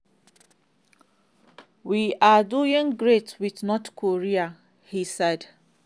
"We're doing great with North Korea," he said.